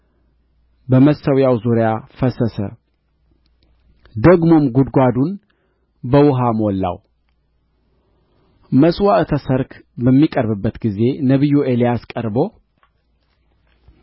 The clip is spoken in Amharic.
በመሠዊያው ዙሪያ ፈሰሰ ደግሞም ጕድጓዱን በውኃ ሞላው መሥዋዕተ ሠርክ በሚቀርብበት ጊዜ ነቢዩ ኤልያስ ቀርቦ